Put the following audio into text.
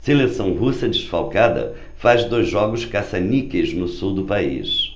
seleção russa desfalcada faz dois jogos caça-níqueis no sul do país